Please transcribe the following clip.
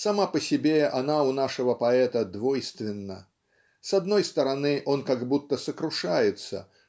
Сама по себе она у нашего поэта двойственна. С одной стороны он как будто сокрушается